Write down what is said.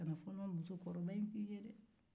kana fɔɔnɔ musokɔrɔba in k'e ye dɛɛ